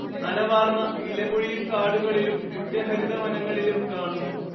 നനവാർന്ന ഇലപൊഴിയും കാടുകളിലും നിത്യഹരിതവനങ്ങളിലും കാണുന്നു